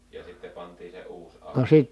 ja sitten pantiin se uusi ahdos